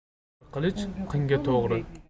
qing'ir qilich qinga to'g'ri